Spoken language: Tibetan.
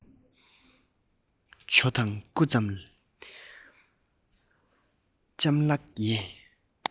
ཇོ དང སྐུ ལྕམ ལགས ཡེ